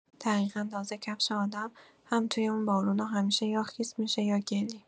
دقیقا، تازه کفش آدم هم توی اون بارونا همیشه یا خیس می‌شه یا گلی.